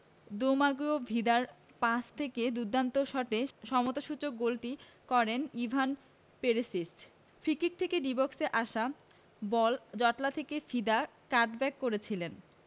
Domagoj ভিদার pass থেকে দুর্দান্ত শটে সমতাসূচক গোলটি করেন ইভান পেরিসিচ ফ্রিকিক থেকে ডি বক্সে আসা বল জটলা থেকে ভিদা কাটব্যাক করেছিলেন